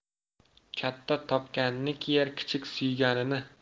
katta topganini kiyar kichik suyganini